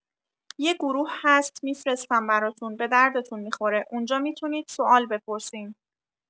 یه گروه هست می‌فرستم براتون به دردتون می‌خوره اونجا می‌تونید سوال بپرسین